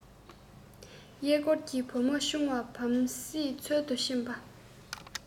གཡས བསྐོར གྱིས བུ མོ ཆུང བ བམ སྲིད འཚོལ དུ ཕྱིན པར